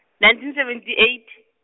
nineteen seventy eight.